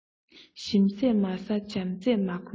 ཞིམ ཚད མ ཟ འཇམ ཚད མ གྱོན ཅིག